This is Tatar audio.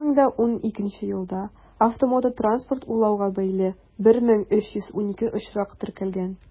2012 елда автомототранспорт урлауга бәйле 1312 очрак теркәлгән.